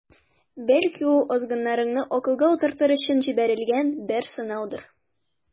Бәлки, ул азгыннарны акылга утыртыр өчен җибәрелгән бер сынаудыр.